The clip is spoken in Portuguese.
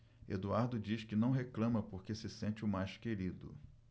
eduardo diz que não reclama porque se sente o mais querido